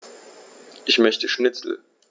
Ich möchte Schnitzel.